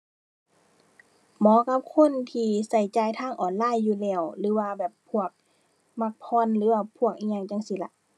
เหมาะกับคนที่ใช้จ่ายทางออนไลน์อยู่แล้ว หรือว่าแบบพวกมักผ่อนหรือว่าพวกอิหยังจั่งซี้ล่ะ